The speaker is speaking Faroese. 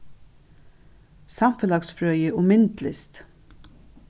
samfelagsfrøði og myndlist